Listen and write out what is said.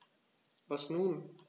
Was nun?